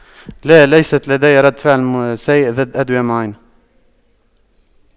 لا ليست لدي رد فعل سيء ضد أدوية معينة